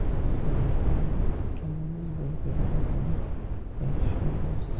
usmon akam ikkalamiz bir birimizni yaxshi ko'ramiz